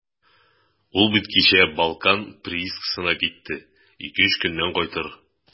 Ул бит кичә «Балкан» приискасына китте, ике-өч көннән кайтыр.